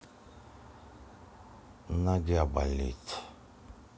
нога болит